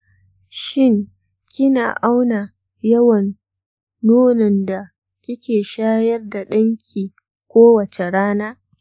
shin kina auna yawan nonon da kike shayar da ɗan ki kowace rana?